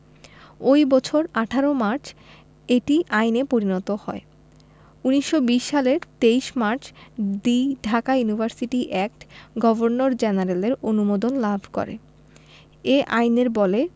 ওই বছর ১৮ মার্চ এটি আইনে পরিণত হয় ১৯২০ সালের ২৩ March the Dhaka university act governor জেনারেলের অনুমোদন লাভ করে এ আইনের বলে